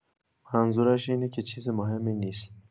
منظورش اینه که چیز مهمی نیست.